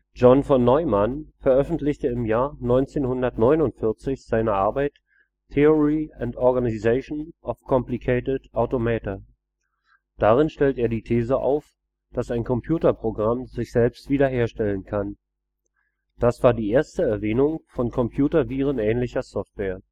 John von Neumann veröffentlichte im Jahr 1949 seine Arbeit Theory and Organization of Complicated Automata. Darin stellt er die These auf, dass ein Computerprogramm sich selbst wiederherstellen kann. Das war die erste Erwähnung von computervirenähnlicher Software